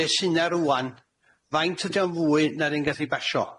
Be' sy 'na rŵan? Faint ydi o'n fwy na'r un gath ei basio?